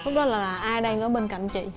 lúc đó là ai đang ở bên cạnh chị